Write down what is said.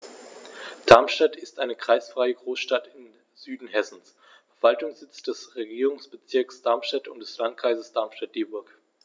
Darmstadt ist eine kreisfreie Großstadt im Süden Hessens, Verwaltungssitz des Regierungsbezirks Darmstadt und des Landkreises Darmstadt-Dieburg.